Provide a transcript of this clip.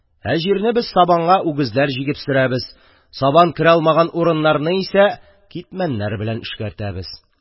Ә җирне без сабанга үгезләр җигеп сөрәбез, сабан керә алмаган урыннарны исә китмәннәр белән эшкәртәбез.